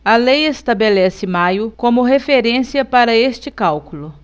a lei estabelece maio como referência para este cálculo